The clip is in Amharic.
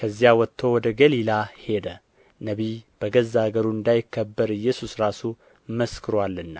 ከዚያ ወጥቶ ወደ ገሊላ ሄደ ነቢይ በገዛ አገሩ እንዳይከበር ኢየሱስ ራሱ መስክሮአልና